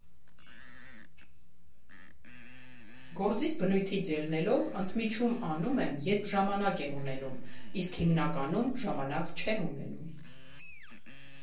Գործիս բնույթից ելնելով՝ ընդմիջում անում եմ, երբ ժամանակ եմ ունենում, իսկ հիմնականում ժամանակ չեմ ունենում։